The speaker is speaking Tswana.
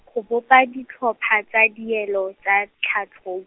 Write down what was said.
go bopa ditlhopha tsa dielo tsa tlhatlho-.